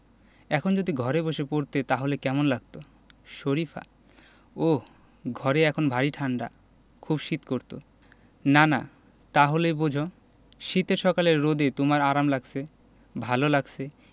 এখন যদি ঘরে বসে পড়তে তাহলে কেমন লাগত শরিফা ওহ ঘরে এখন ভারি ঠাণ্ডা খুব শীত করত নানা তা হলেই বোঝ শীতের সকালে রোদে তোমার আরাম লাগছে ভালো লাগছে